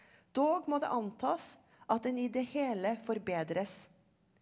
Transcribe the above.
dog må det antas at den i det hele forbedres.